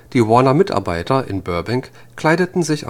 Die Warner-Mitarbeiter in Burbank kleideten sich